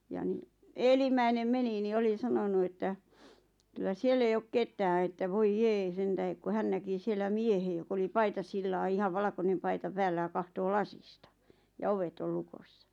ja niin edellimmäinen meni niin oli sanonut että kyllä siellä ei ole ketään että voi jee sen tähden kun hän näki siellä miehen joka oli paitasillaan ihan valkoinen paita päällä ja katsoo lasista ja ovet oli lukossa